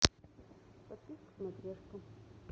подписка смотрешка